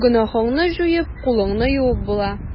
Гөнаһыңны җуеп, кулыңны юып була.